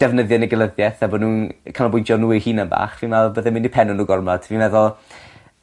defnyddio unigolyddieth a bo' nw'n canolbwyntio ar n'w eu hunan bach fi'n me'wl bydde'n mynd i penne n'w gormod fi'n meddwl